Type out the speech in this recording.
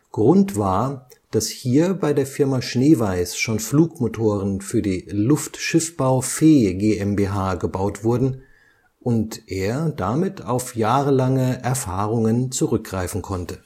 Grund war, dass hier bei der Firma Schneeweis schon Flugmotoren für die Luftschiffbau Veeh GmbH gebaut wurden, und er damit auf jahrelange Erfahrungen zurückgreifen konnte